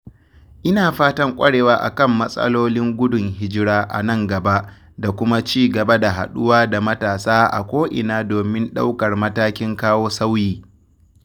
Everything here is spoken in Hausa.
Ina fatan ƙwarewa a kan mas'alolin gudun hijira a nan gaba da kuma ci gaba da haɗuwa da matasa a ko'ina domin ɗaukar matakin kawo sauyi.